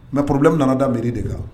Mɛ pbimin nana da miri de kan